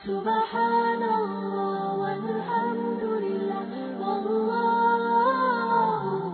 San wa yo yoinɛinɛ yo yo